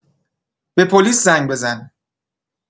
به پلیس زنگ بزن.